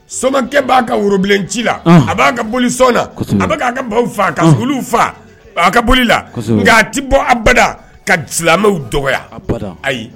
Sokɛ b'a ka worobilen ci la a b'a ka boli sɔn na a bɛ'a ka mɔgɔw faa ka faa a ka boli la nka a tɛ bɔ a bɛɛda ka silamɛmɛw dɔgɔ ayi